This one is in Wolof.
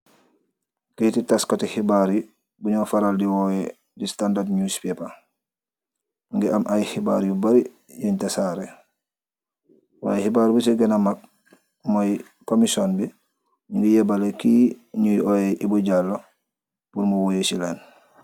Keitu tasskati khibarr yii bu njur fahral di worweh the standard newspaper, mungy am aiiy khibarr yu bari yungh tasareh, y khibarr bu ci genah mak moi comission bii, njungeh yehbaleh kii njui oyeh ebou jallow pur mu wuyu ci len.